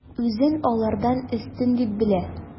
Үзен алардан өстен дип белә.